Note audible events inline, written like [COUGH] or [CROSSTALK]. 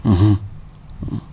[HESITATION] [HESITATION]